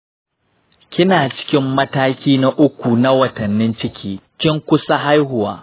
kina cikin mataki na uku na watannin ciki; kin kusa haihuwa.